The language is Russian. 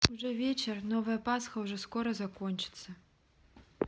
уже вечер новая пасха уже скоро закончится